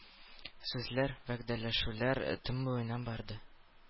Сүзләр, вәгъдәләшүләр төн буена барды.